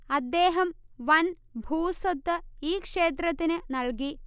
അദ്ദേഹം വൻ ഭൂസ്വത്ത് ഈ ക്ഷേത്രത്തിനു നൽകി